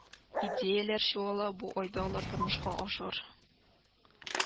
Идеяләр чуала, бу айда алар тормышка ашар